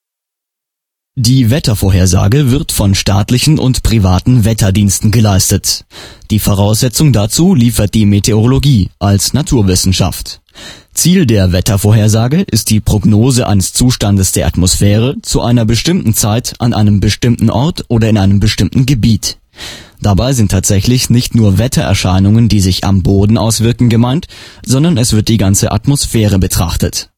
Die Wettervorhersage wird von staatlichen und privaten Wetterdiensten geleistet. Die Voraussetzung dazu liefert die Meteorologie als Naturwissenschaft. Ziel der Wettervorhersage ist die Prognose eines Zustandes der Atmosphäre zu einer bestimmten Zeit an einem bestimmten Ort oder in einem bestimmten Gebiet. Dabei sind tatsächlich nicht nur Wettererscheinungen, die sich am Boden auswirken gemeint, sondern es wird die gesamte Atmosphäre betrachtet